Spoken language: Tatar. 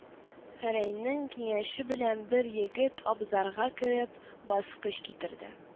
Гәрәйнең киңәше белән бер егет, абзарга кереп, баскыч китерде